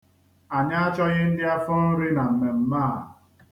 Anyị achọghị ndị afọnri na mmemme a.